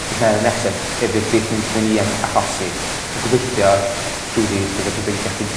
y cenedleth nesaf y fydd beth fydd un ni yn achosi. A gobeithio rhyw ddydd bydda pethe'n gallu